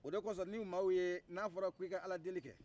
o de kɔsɔ ni maw ye n'a fɔra k'i ka akadeli kɛ